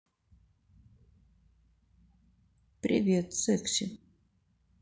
привет секси